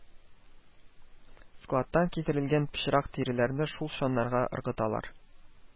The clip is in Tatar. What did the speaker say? Складтан китерелгән пычрак тиреләрне шул чаннарга ыргыталар